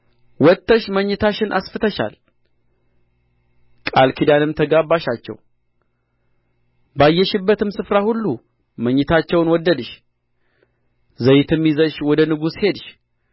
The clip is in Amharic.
ወጥተሽ መኝታሽን አስፍተሻል ቃል ኪዳንም ተጋባሻቸው ባየሽበትም ስፍራ ሁሉ መኝታቸውን ወደድሽ ዘይትም ይዘሽ ወደ ንጉሡ ሄድሽ